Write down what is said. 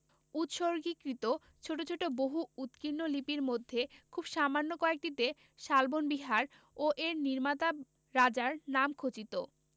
উৎসর্গীকৃত ছোট ছোট বহু উৎকীর্ণ লিপির মধ্যে খুব সামান্য কয়েকটিতে শালবন বিহার ও এর নির্মাতা রাজার নাম খচিত